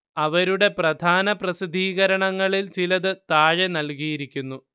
അവരുടെ പ്രധാന പ്രസിദ്ധീകരണങ്ങളിൽ ചിലത് താഴെ നൽകിയിരിക്കുന്നു